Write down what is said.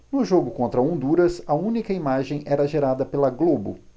no jogo contra honduras a única imagem era gerada pela globo